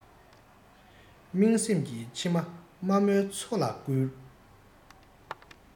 སྨྲེངས སེམས ཀྱི མཆི མ དམའ མོའི མཚོ ལ བསྐུར